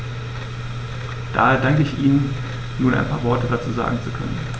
Daher danke ich Ihnen, nun ein paar Worte dazu sagen zu können.